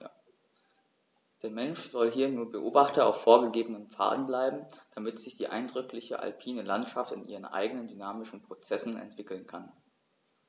Der Mensch soll hier nur Beobachter auf vorgegebenen Pfaden bleiben, damit sich die eindrückliche alpine Landschaft in ihren eigenen dynamischen Prozessen entwickeln kann.